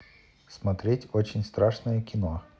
смотреть очень страшное кино